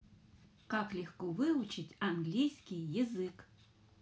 как легко выучить английский язык